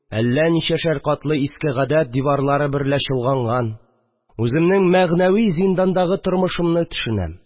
Әллә ничәшәр катлы «иске гадәт» диварлары берлә чолганган, үземнең мәгънәви зиндагы тормышымны төшенәм